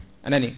anani